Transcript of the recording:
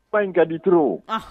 Ba in ka dito